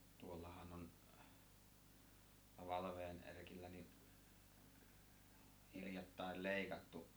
tuollahan on Valveen Erkillä niin hiljattain leikattu